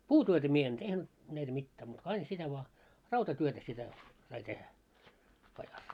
puutyötä minä en tehnyt näitä mitään muuta kuin aina sitä vain rautatyötä sitä sai tehdä pajassa